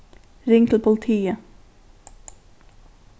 ring til politiið